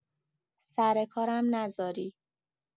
سر کارم نذاری.